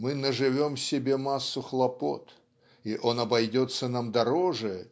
мы "наживем себе массу хлопот" и он "обойдется нам дороже